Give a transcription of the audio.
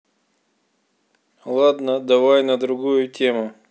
ладно давай на другую тему